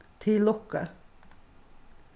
til lukku